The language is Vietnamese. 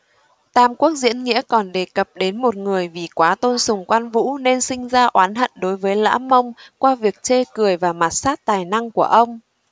tam quốc diễn nghĩa còn đề cập đến một người vì quá tôn sùng quan vũ nên sinh ra oán hận đối với lã mông qua việc chê cười và mạt sát tài năng của ông